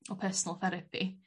O personal therapy.